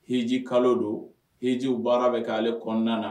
Heji kalo do hejiw baara bɛ kɛ ale kɔnɔna na